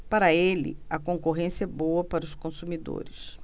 para ele a concorrência é boa para os consumidores